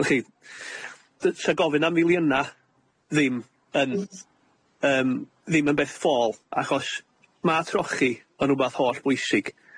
W'chi d- sa gofyn am filiyna' ddim yn yym ddim yn beth ffôl achos ma' trochi yn rwbath hollbwysig.